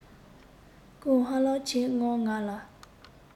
ཀུན ཧ ལམ ཆེད མངགས ང ལ